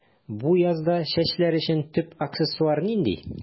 Бу язда чәчләр өчен төп аксессуар нинди?